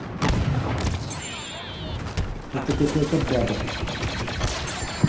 это какая то баба